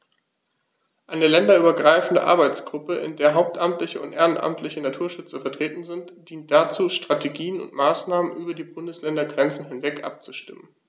Eine länderübergreifende Arbeitsgruppe, in der hauptamtliche und ehrenamtliche Naturschützer vertreten sind, dient dazu, Strategien und Maßnahmen über die Bundesländergrenzen hinweg abzustimmen.